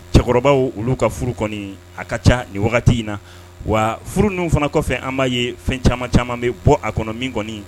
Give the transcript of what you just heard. Cɛkɔrɔbaw olu ka furu kɔni a ka ca nin wagati in na wa furu ninnu fana kɔfɛ an b'a ye fɛn caman caman bɛ bɔ a kɔnɔ min kɔni